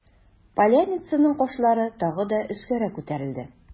Поляницаның кашлары тагы да өскәрәк күтәрелде.